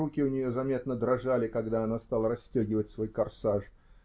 И руки у нее заметно дрожали, когда она стала расстегивать свой корсаж.